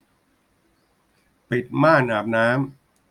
ปิดม่านอาบน้ำ